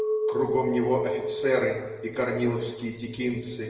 кругом него - офицеры и корниловские текинцы.